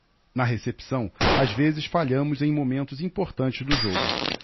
na recepção às vezes falhamos em momentos importantes do jogo